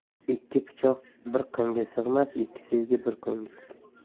ikki pichoq bir qinga sig'mas ikki sevgi bir ko'ngilga